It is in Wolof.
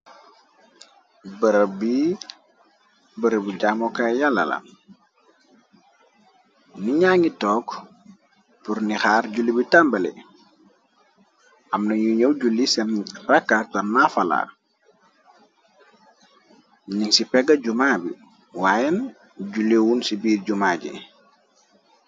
Bërëb bu jàmoka yalala ni ñaa ngi took purni xaar jule bi tambale amnañu ñëw julli seen rakkatana fala ning ci pega jumaa bi waayeen julewun ci biir jumaaj yi.